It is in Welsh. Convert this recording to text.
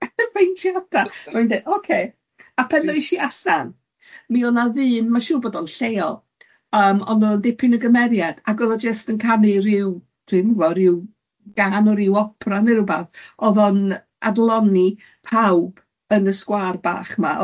Peinteada! Mae'n deud ok. A pan ddois i allan, mi oedd na ddyn, mae'n siŵr bod o'n lleol, yym oedd o'n dipyn o gymeriad, ac odd o jyst yn canu ryw dwi'm yn gwybod ryw gân o ryw opera neu rwbath. Oedd o'n adloni pawb yn y sgwâr bach ma.